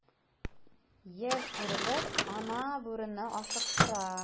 Яшь бүреләр ана бүрене ашыктыра.